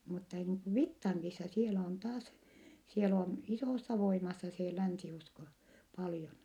mutta niin kuin Vittangissa siellä on taas siellä on isossa voimassa se länsiusko paljon